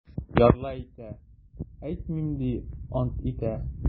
Ярлы әйтә: - әйтмим, - ди, ант итә.